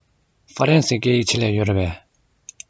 ཧྥ རན སིའི སྐད ཡིག ཆེད ལས ཡོད རེད པས